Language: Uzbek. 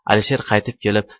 alisher qaytib kelib